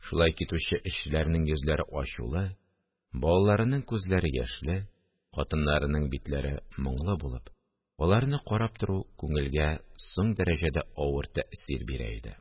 Шулай китүче эшчеләрнең йөзләре ачулы, балаларының күзләре яшьле, хатыннарының битләре моңлы булып, аларны карап тору күңелгә соң дәрәҗәдә авыр тәэсир бирә иде